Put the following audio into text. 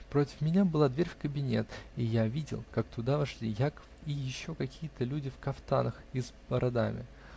Против меня была дверь в кабинет, и я видел, как туда вошли Яков и еще какие-то люди в кафтанах и с бородами.